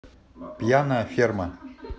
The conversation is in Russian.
пьяная ферма